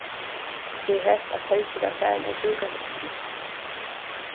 eg helt at helgi var farin av sjúkrahúsinum